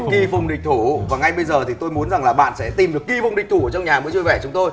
kỳ phùng địch thủ và ngay bây giờ thì tôi muốn rằng là bạn sẽ tìm được kỳ phùng địch thủ ở trong nhà hàng bữa trưa vui vẻ chúng tôi